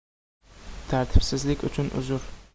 tartibsizlik uchun uzur